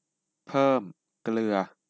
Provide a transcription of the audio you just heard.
เพิ่มเกลือ